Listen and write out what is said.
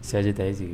Saji tɛ'i sigi